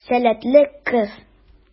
Сәләтле кыз.